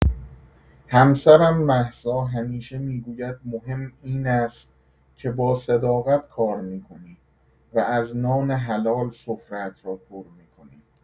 همسرم مهسا همیشه می‌گوید مهم این است که با صداقت کار می‌کنی و از نان حلال سفره‌ات را پر می‌کنی.